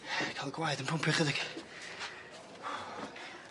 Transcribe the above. Ca'l y gwaed yn pwmpio chydig.